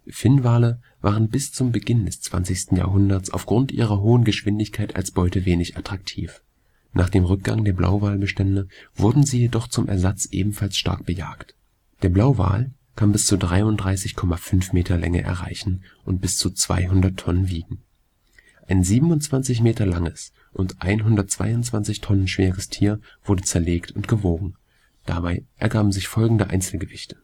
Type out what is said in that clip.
Finnwale waren bis zum Beginn des 20. Jahrhunderts aufgrund ihrer hohen Geschwindigkeit als Beute wenig attraktiv. Nach dem Rückgang der Blauwalbestände wurden sie jedoch zum Ersatz ebenfalls stark bejagt. Der Blauwal kann bis zu 33,5 Meter Länge erreichen und bis zu 200 Tonnen wiegen. Ein 27 Meter langes und 122 Tonnen schweres Tier wurde zerlegt und gewogen. Dabei ergaben sich folgende Einzelgewichte